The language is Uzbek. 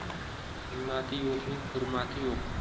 himmati yo'qning hurmati yo'q